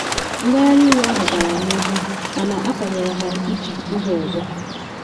Ngagharị iwe ahụ gara n’ihu mana akwanyere ha iji ụzọ ọzọ.